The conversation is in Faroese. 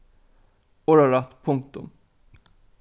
orðarætt punktum